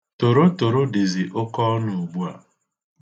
Tototoro dịzị oke ọnụ ugbu ạ